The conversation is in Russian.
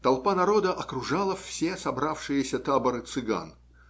толпа народа окружала все собравшиеся таборы цыган.